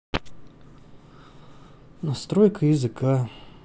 настройки языка